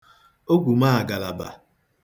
ogwùmaàgàlàbà